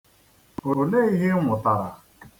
Olee ihe i nwụtara?